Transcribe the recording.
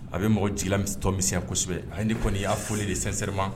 A bɛ mɔgɔ jila tɔ miyasɛbɛ a ye nin kɔni y'a foli de sansɛ ma